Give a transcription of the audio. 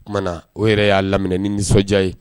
O kumana na o yɛrɛ y'a lam ni nisɔndiya ye